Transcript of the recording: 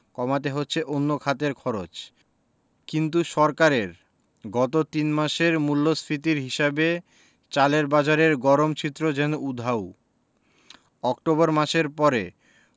কমাতে হচ্ছে অন্য খাতের খরচ কিন্তু সরকারের গত তিন মাসের মূল্যস্ফীতির হিসাবে চালের বাজারের গরম চিত্র যেন উধাও অক্টোবর মাসের পরে